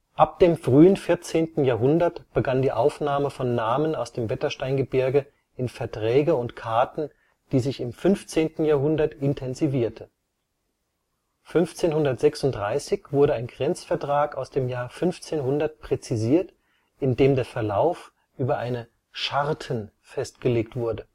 Ab dem frühen 14. Jahrhundert begann die Aufnahme von Namen aus dem Wettersteingebirge in Verträge und Karten, die sich im 15. Jahrhundert intensivierte. 1536 wurde ein Grenz-Vertrag aus dem Jahr 1500 präzisiert, in dem der Verlauf über eine „ Schartten “festgelegt wurde